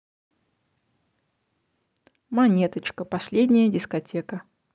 монеточка последняя дискотека